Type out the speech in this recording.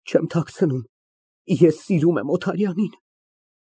Չեմ թաքցնում, ես սիրում եմ Օթարյանին։